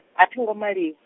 a thi ngo mali-.